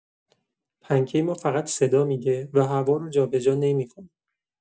پنکه ما فقط صدا می‌ده و هوا رو جابه‌جا نمی‌کنه.